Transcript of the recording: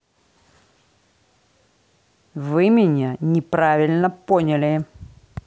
вы меня неправильно поняли